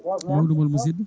mawɗum hooli musidɗo